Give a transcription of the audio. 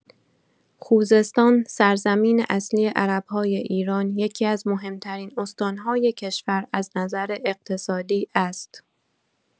خوزستان، سرزمین اصلی عرب‌های ایران، یکی‌از مهم‌ترین استان‌های کشور از نظر اقتصادی است.